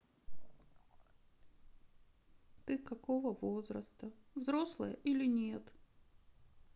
ты какого возраста взрослая или нет